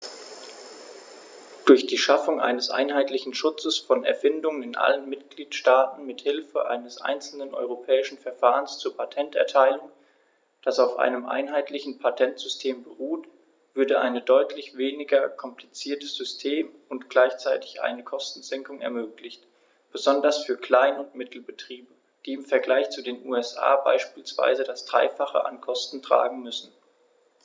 Durch die Schaffung eines einheitlichen Schutzes von Erfindungen in allen Mitgliedstaaten mit Hilfe eines einzelnen europäischen Verfahrens zur Patenterteilung, das auf einem einheitlichen Patentsystem beruht, würde ein deutlich weniger kompliziertes System und gleichzeitig eine Kostensenkung ermöglicht, besonders für Klein- und Mittelbetriebe, die im Vergleich zu den USA beispielsweise das dreifache an Kosten tragen müssen.